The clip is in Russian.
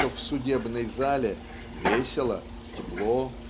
что в судебной зале "весело тепло